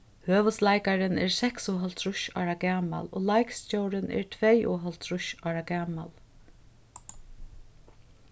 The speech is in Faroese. høvuðsleikarin er seksoghálvtrýss ára gamal og leikstjórin er tveyoghálvtrýss ára gamal